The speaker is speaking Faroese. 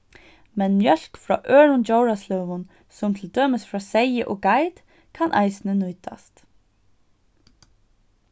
men mjólk frá øðrum djórasløgum sum til dømis frá seyði og geit kann eisini nýtast